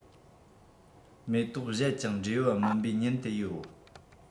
མེ ཏོག བཞད ཅིང འབྲས བུ སྨིན པའི ཉིན དེ ཡོད